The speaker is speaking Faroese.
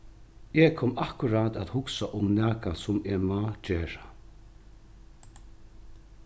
eg kom akkurát at hugsa um nakað sum eg má gera